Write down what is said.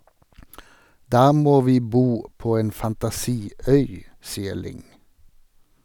Da må vi bo på en fantasi- øy , sier Ling.